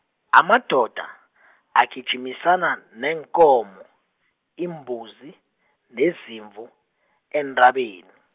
amadoda , agijimisana neenkomo, iimbuzi, nezimvu, eentabeni.